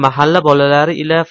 mahalla bolalari ila